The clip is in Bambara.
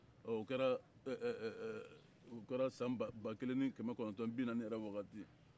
ɔ o kɛra ɛɛ san ba kelen ni kɛmɛ kɔnɔntɔn ni bi naani yɛrɛ wagati